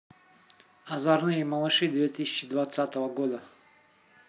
озорные малыши две тысячи двадцатого года